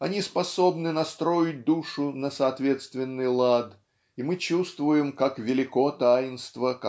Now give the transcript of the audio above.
оне способны настроить душу на соответственный лад и мы чувствуем как велико таинство